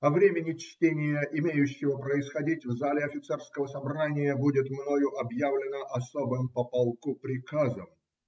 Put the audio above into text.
О времени чтения, имеющего происходить в зале офицерского собрания, будет мною объявлено особым по полку приказом".